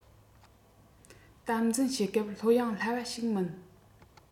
དམ འཛིན བྱེད སྐབས ལྷོད གཡེང སླ བ ཞིག མིན